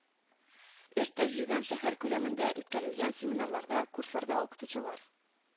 Эш тәҗрибәм шәһәр күләмендә үткәрелгән семинарларда, курсларда укытучылар